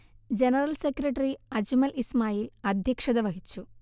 general secretary Ajmal Ismail അധ്യക്ഷത വഹിച്ചു